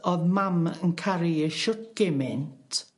O'dd mam yn caru 'i shwt gimynt